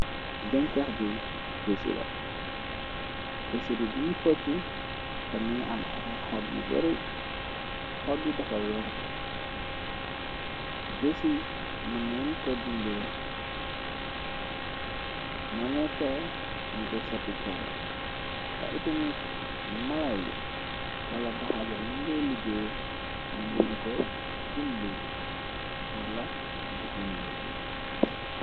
Geñcax besi bi bi ngi focci te mingi am xo br xob bi dafa weerte besi mënneen ko dundee moneka nika soppi cere te iti mit mala yi wala daxaba yinde liggéer mënneen ko dunde wala jëfandeso.